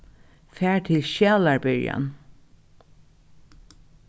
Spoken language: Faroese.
far til skjalarbyrjan